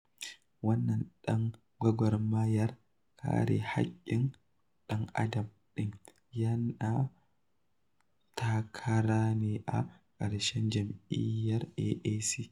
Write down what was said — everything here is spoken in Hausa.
Wannan ɗan gwagwarmayar kare haƙƙin ɗan'adam ɗin yana takara ne a ƙarƙashin jam'iyyar AAC.